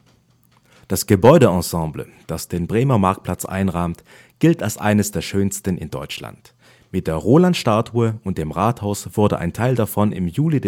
Gebäudeensemble, das den Bremer Marktplatz einrahmt, gilt als eines der schönsten in Deutschland. Mit der Roland-Statue und dem Rathaus wurde ein Teil davon im Juli